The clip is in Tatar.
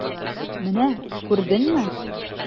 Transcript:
Менә күрдеңме?